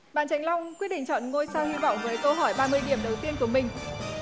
bạn trạch long quyết định chọn ngôi sao hy vọng với câu hỏi ba mươi điểm đầu tiên của mình